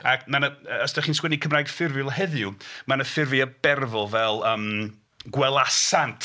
Ac ma' 'na... yy os dach chi'n sgwennu Cymraeg ffurfiol heddiw ma' 'na ffurfiau berfol fel yym gwelasant.